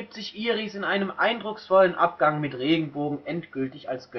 sich Iris in einem eindrucksvollen Abgang mit Regenbogen endgültig als